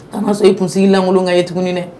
A man sɔn i kunsigi lankolon ka ye tuguni dɛ.